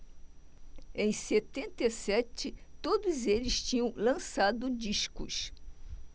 em setenta e sete todos eles tinham lançado discos